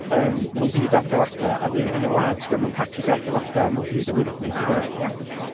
yym mewn byd o adeiladau a wedyn yn y wlad timod mae'n patches o adeiladau mewn byd o wyrddni timod?... A ia!